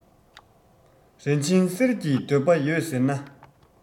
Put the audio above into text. རིན ཆེན གསེར གྱི འདོད པ ཡོད ཟེར ན